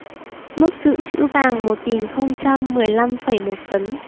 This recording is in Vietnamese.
mức dự trữ vàng một nghìn không trăm mười lăm phẩy một tấn